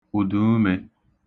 ụ̀dùumē